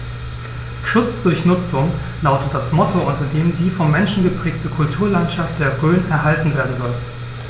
„Schutz durch Nutzung“ lautet das Motto, unter dem die vom Menschen geprägte Kulturlandschaft der Rhön erhalten werden soll.